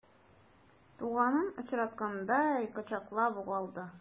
Туганын очраткандай кочаклап ук алды.